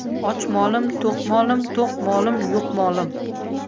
och molim to'q molim to'q molim yo'q molim